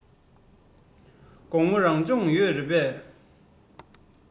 དགོང མོ རང སྦྱོང ཡོད རེད པས